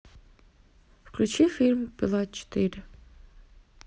включи фильм пила четыре